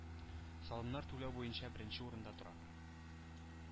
Салымнар түләү буенча беренче урында тора.